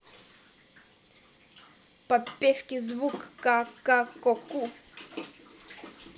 попевки звук кэ ка ко ку